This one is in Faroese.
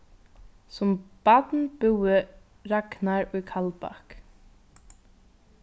sum barn búði ragnar í kaldbak